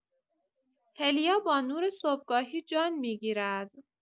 هلیا با نور صبحگاهی جان می‌گیرد.